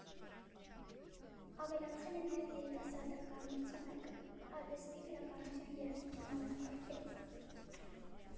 Ավելացել է նաև երիտասարդական մրցանակը՝ արվեստի, գրականության, երաժշտության անվանակարգերով։